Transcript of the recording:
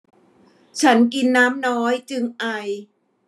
ฉันกินน้ำน้อยจึงไอ